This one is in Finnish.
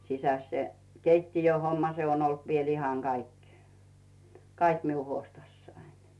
sisässä se keittiöhomma se on ollut vielä ihan kaikki kaikki minun huostassani